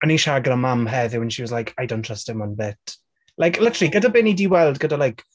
O'n i'n siarad gyda Mam heddiw, and she was like, "I don't trust him one bit." Like, literally, gyda be ni 'di weld gyda like...